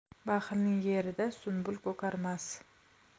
baxilning yerida sunbul ko'karmas